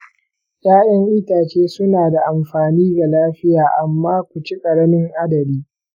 ƴaƴan itace suna da amfani ga lafiya amma ku ci ƙaramin adadi.